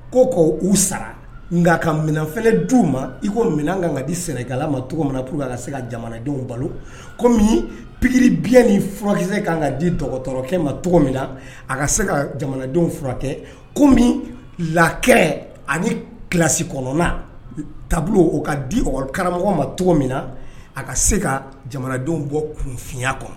Ko ko u sara nka ka minɛnf d' u ma i ko minɛn kan ka di sɛnɛga ma cogo min na ka se ka jamanadenw balo ko pipikiri biyɛn ni furakɛkisɛ ka kan ka di dɔgɔtɔrɔkɛ ma cogo min na a ka se ka jamanadenw furakɛ ko min lakɛ ani kilasi kɔnɔnana taabolo ka di karamɔgɔ ma cogo min na a ka se ka jamanadenw bɔ kunfiya kɔnɔ